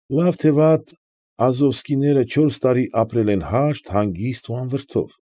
Լավ թե վատ Ազովսկիները չորս տարի ապրել են հաշտ, հանգիստ ու անվրդով։